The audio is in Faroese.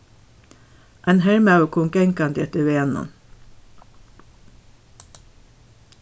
ein hermaður kom gangandi eftir vegnum